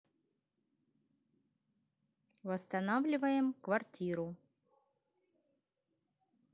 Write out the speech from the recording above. восстанавливаем квартиру